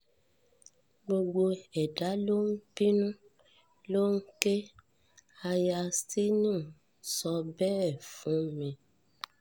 ”Gbogbo ẹ̀dá ló ń binú, ló ń ké,” Aya Steinem sọ bẹ́ẹ̀ fún mi.